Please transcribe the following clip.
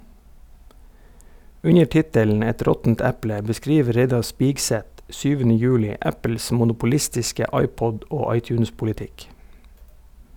Under tittelen "Et råttent eple" beskriver Reidar Spigseth 7. juli Apples monopolistiske iPod- og iTunes-politikk.